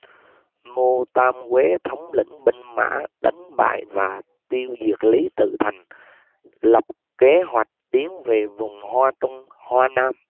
ngô tam quế thống lĩnh binh mã đánh bại và tiêu diệt lý tự thành lập kế hoạch tiến về vùng hoa trung hoa nam